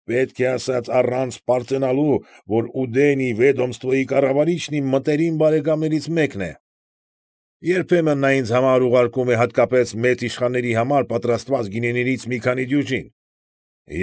Պետք է ասած առանց պարծենալու, որ Ուդելնիյ Վեդոմստվոյի կառավարիչն իմ մտերիմ բարեկամներից մեկն է. երբեմն նա ինձ համար ուղարկում է հատկապես մեծ իշխանների համար պատրաստված գինիներից մի քանի դյուժին։